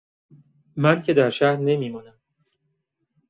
من که در شهر نمی‌مانم.